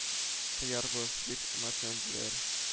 Тыярбыз, дип өметләндерделәр